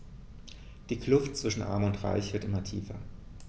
Die Kluft zwischen Arm und Reich wird immer tiefer.